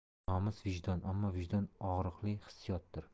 nomus vijdon ammo vijdon og'riqli hissiyotdir